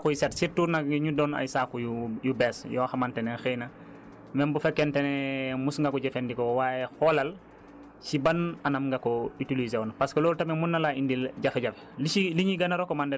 donc saaku yi moom du du n' importe quel saako xoolal saako yu set surtout nag ñu ñu doon ay saako yu yu bees yoo xamante ne xëy na même bu fekkente ne mos nga ko jëfandikoo waaye xoolal si ban anam nga ko utiliser woon